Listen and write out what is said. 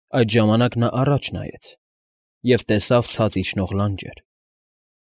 Այդ ժամանակ նա առաջ նայեց և տեսավ ցած իջնող լանջեր։